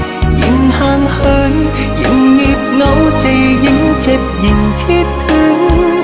càng xa lánh càng trống vắng tim cứ đau và nhớ lắm